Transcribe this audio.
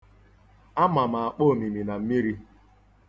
Ama m akpọ omimi na mmiri.